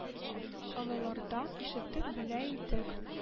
Олылардан ишетеп белә идек